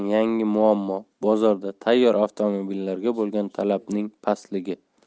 muammo bozorda tayyor avtomobillarga bo'lgan talabning pastligi